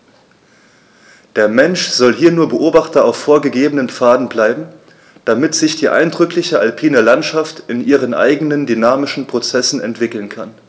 Der Mensch soll hier nur Beobachter auf vorgegebenen Pfaden bleiben, damit sich die eindrückliche alpine Landschaft in ihren eigenen dynamischen Prozessen entwickeln kann.